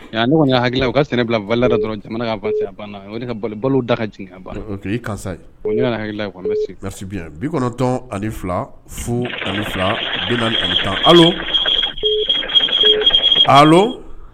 La u ka sɛnɛla dɔrɔn balo da ka karisa hakili bikɔnɔtɔn ani fila fo ani fila ani tan